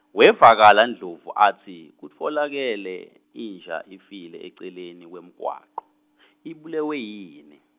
Wevakala Ndlovu atsi kutfolakele inja ifile eceleni kwemgwaco , Ibulewe yini?